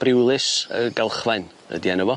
Briwlys yy Galchfaen ydi enw fo.